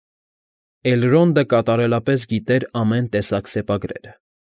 Էլրոնդը կատարելապես գիտեր ամեն տեսակ սեպագրերը։